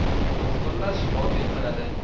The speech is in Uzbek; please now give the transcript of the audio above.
do'xtirlar shifo keltiradi